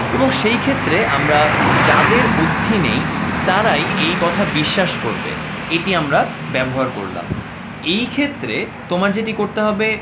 এবং সেই ক্ষেত্রে আমরা যাদের বুদ্ধি নেই তারাই এই কথা বিশ্বাস করবে এটি আমরা ব্যবহার করলাম এই ক্ষেত্রে তোমার যেটি করতে হবে